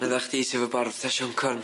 Medda chdi sy efo bafr fatha Sion Corn.